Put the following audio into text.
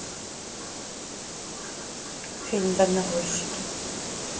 фильм дальнобойщики